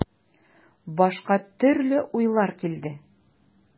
Башка төрле уйлар килде.